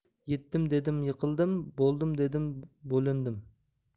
yetdim dedim yiqildim boidim dedim bo'lindim